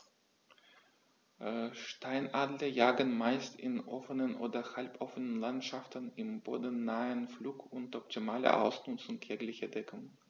Steinadler jagen meist in offenen oder halboffenen Landschaften im bodennahen Flug unter optimaler Ausnutzung jeglicher Deckung.